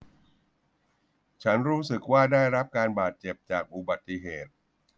ฉันรู้สึกว่าได้รับการบาดเจ็บจากอุบัติเหตุ